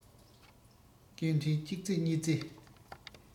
སྐད འཕྲིན གཅིག རྩེ གཉིས རྩེ